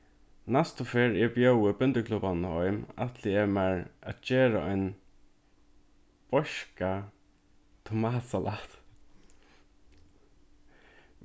næstu ferð eg bjóði bindiklubbanum heim ætli eg mær at gera ein beiska tomatsalat